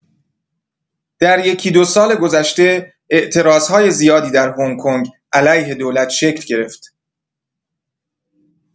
در یکی دو سال‌گذشته اعتراض‌های زیادی در هنگ‌کنگ علیه دولت شکل گرفت.